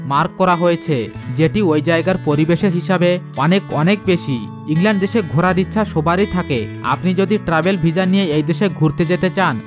mark করা হয়েছে যেটি ওই জায়গায় পরিবেশ এর হিসাবে অনেক অনেক বেশি ইংল্যান্ড এসে ঘোরার ইচ্ছা সবারই থাকে আপনি যদি ট্রাভেল ভিসা নিয়ে এই দেশে ঘুরতে যেতে চান